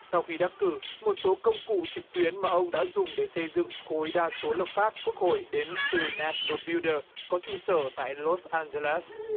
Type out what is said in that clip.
sau khi đắc cử một số công cụ trực tuyến mà ông đã dùng để xây dựng khối đa số luật pháp cho quốc hội đến từ ne sừn nồ biu đơ có trụ sở tại lốt an giơ lét